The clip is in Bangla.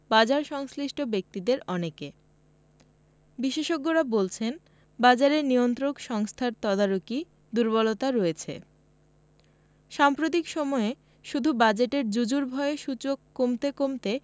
বাজারসংশ্লিষ্ট ব্যক্তিদের অনেকে বিশেষজ্ঞরা বলছেন বাজারে নিয়ন্ত্রক সংস্থার তদারকি দুর্বলতা রয়েছে সাম্প্রতিক সময়ে শুধু বাজেটের জুজুর ভয়ে সূচক কমতে কমতে